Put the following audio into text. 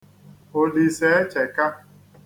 Òlìsàechèka